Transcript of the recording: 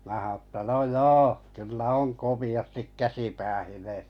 minä sanoin että no joo kyllä on komeasti käsi päähineessä